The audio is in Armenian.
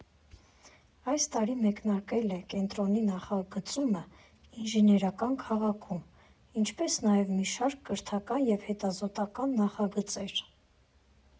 Այս տարի մեկնարկել է կենտրոնի նախագծումը Ինժեներական քաղաքում, ինչպես նաև մի շարք կրթական և հետազոտական նախագծեր։